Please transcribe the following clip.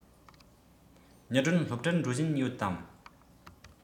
ཉི སྒྲོན སློབ གྲྭར འགྲོ བཞིན ཡོད དམ